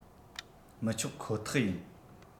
མི ཆོག ཁོ ཐག ཡིན